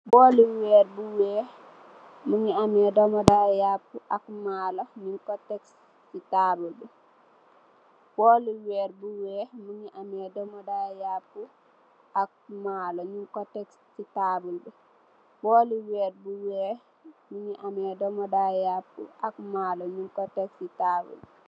Booli weeer bu weeh, mungi ameh domodaa yaapu, ak maalo nyung ko tek si taabul bi.